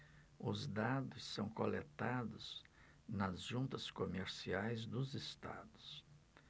os dados são coletados nas juntas comerciais dos estados